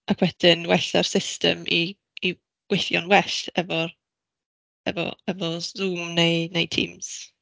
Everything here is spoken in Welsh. Ac wedyn wella'r system i i gweithio'n well efo'r efo efo Zoom neu neu Teams.